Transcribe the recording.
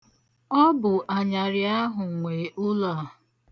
Ọ bụ anyarị ahụ nwe ụlọ a.